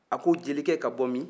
a ko jelikɛ ka bɔ min